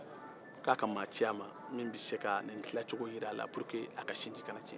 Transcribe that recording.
k'a ka maa ci a ma min bɛ se ka nin tilacogo jira a la walasa a ka sinji kana tiɲɛ